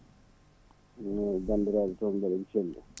i no bandiraɓe foof mbaɗi eɓe celli